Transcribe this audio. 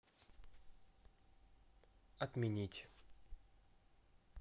отменить